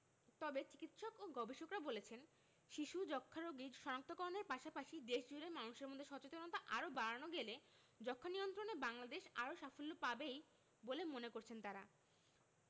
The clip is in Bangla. তবে চিকিৎসক ও গবেষকরা বলছেন শিশু যক্ষ্ণারোগী শনাক্ত করণের পাশাপাশি দেশজুড়ে মানুষের মধ্যে সচেতনতা আরও বাড়ানো গেলে যক্ষ্মানিয়ন্ত্রণে বাংলাদেশ আরও সাফল্য পাবেই বলে মনে করছেন তারা